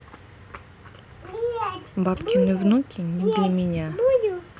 бабкины внуки не для меня